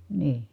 niin